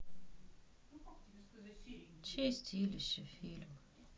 чистилище фильм